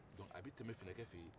a bɛ tɛmɛ finɛkɛ fɛ yen